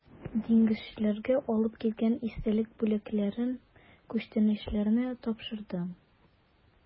Диңгезчеләргә алып килгән истәлек бүләкләрен, күчтәнәчләрне тапшырды.